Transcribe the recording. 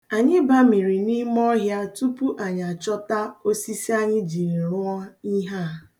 Anyị bamiri n'ime ọhịa tupu anyị achọta osisi anyi jiri rụọ ihe a.